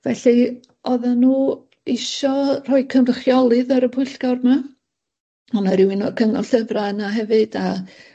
felly oddan nw isio rhoi cynrychiolydd ar y pwyllgor 'ma, o' 'na rywun o'r Cyngor Llyfra' yna hefyd a